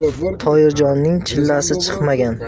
toyirjonning chillasi chiqmagan